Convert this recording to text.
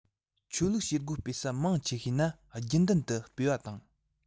ཆོས ལུགས བྱེད སྒོ སྤེལ ས མང ཆེ ཤོས ན རྒྱུན ལྡན དུ སྤེལ བ དང